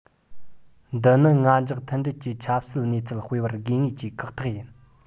འདི ནི ང འཇགས མཐུན སྒྲིལ གྱི ཆབ སྲིད གནས ཚུལ སྤེལ བར དགོས ངེས ཀྱི ཁག ཐེག ཡིན